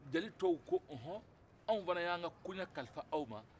jeli tɔw ko ɔnhɔ anw fɛnɛ y'anw ka koɲɛ kalifa aw ma